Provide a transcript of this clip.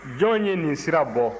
jɔn ye nin sira bɔ